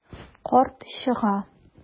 Карт чыга.